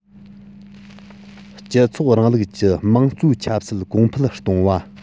སྤྱི ཚོགས རིང ལུགས ཀྱི དམངས གཙོའི ཆབ སྲིད གོང འཕེལ གཏོང བ